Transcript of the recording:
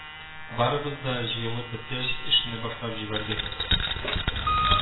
Барыбыз да җыелып беткәч, эшне башлап ибәрдек